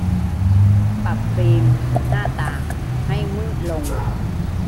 ปรับฟิล์มหน้าต่างให้มืดลง